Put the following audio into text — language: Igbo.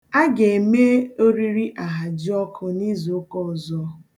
A ga-eme oriri ahajiọkụ n'izuụka ọzọ.